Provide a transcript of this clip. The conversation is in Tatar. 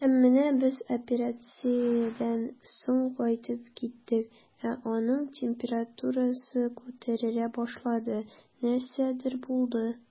Һәм менә без операциядән соң кайтып киттек, ә аның температурасы күтәрелә башлады, нәрсәдер булды.